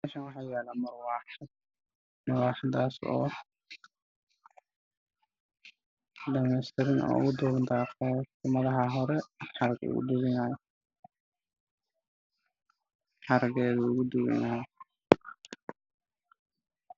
Waa marxad midabkeedu yahay cadaan waxaa ka dambeeya darbi cadaan ah meesha ay tahay waa caddaan